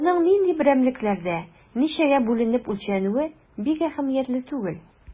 Аның нинди берәмлекләрдә, ничәгә бүленеп үлчәнүе бик әһәмиятле түгел.